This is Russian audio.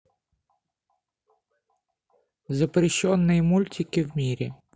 запрещенные мультики в мире